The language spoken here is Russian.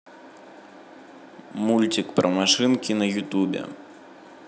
мультик про машинки на ютубе